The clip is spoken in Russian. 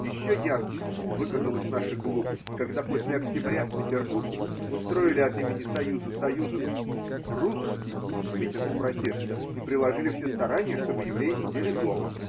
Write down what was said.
Еще ярче выказалась наша глупость, когда после октября в Петербурге устроили от имени союза союзов русский митинг протеста и приложили все старания, чтобы евреи сидели дома.